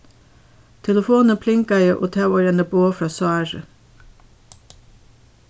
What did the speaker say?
telefonin plingaði og tað vóru eini boð frá sáru